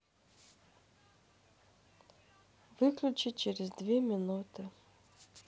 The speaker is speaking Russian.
выключить через две минуты